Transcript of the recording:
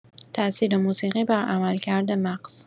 تاثیر موسیقی بر عملکرد مغز